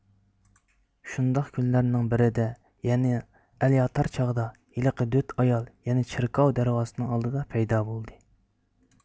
شۇنداق كۈنلەرنىڭ بىرىدە يەنە ئەل ياتار چاغدا ھېلىقى دۆك ئايال يەنە چېركاۋ دەرۋازىسى ئالدىدا پەيدا بولدى